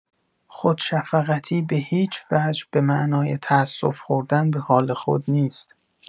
خودشفقتی به‌هیچ‌وجه به معنای تاسف‌خوردن به حال خود نیست.